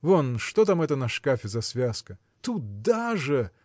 Вон что там это на шкафе за связка? – Туда же!